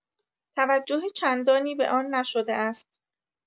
توجه چندانی به آن نشده است.